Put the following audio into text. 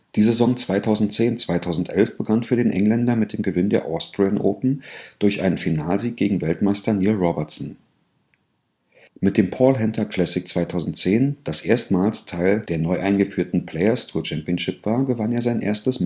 Die Saison 2010/11 begann für den Engländer mit dem Gewinn der Austrian Open durch einen Finalsieg gegen Weltmeister Neil Robertson. Mit dem Paul Hunter Classic 2010, das erstmals Teil der neu eingeführten Players Tour Championship war, gewann er sein erstes Minor-Ranglistenturnier